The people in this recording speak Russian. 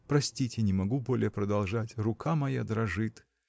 Простите, не могу более продолжать, рука моя дрожит.